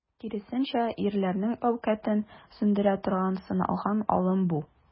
Киресенчә, ирләрнең әүкатен сүндерә торган, сыналган алым бу.